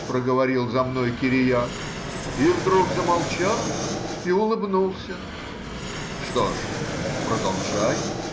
— проговорил за мною Кириак, и — вдруг замолчал и улыбнулся. — Что же? продолжай.